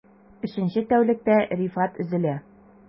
Өченче тәүлектә Рифат өзелә...